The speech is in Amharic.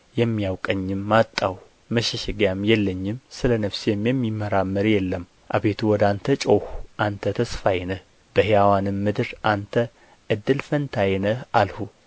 የሚያውቀኝም አጣሁ መሸሸጊያም የለኝም ስለ ነፍሴም የሚመራመር የለም አቤቱ ወደ አንተ ጮኽሁ አንተ ተስፋዬ ነህ በሕያዋንም ምድር አንተ እድል ፈንታዬ ነህ አልሁ